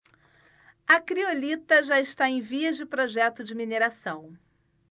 a criolita já está em vias de projeto de mineração